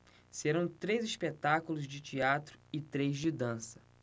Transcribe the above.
serão três espetáculos de teatro e três de dança